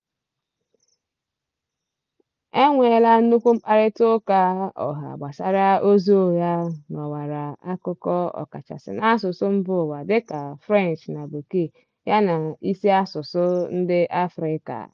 E nweela nnukwu mkparịtaụka ọha gbasara ozi ụgha n'ọwara akụkọ, ọkachasị n'asụsụ mbaụwa dịka French na Bekee, ya na isi asụsụ ndị Afrịka.